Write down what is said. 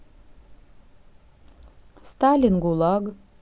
сталин гулаг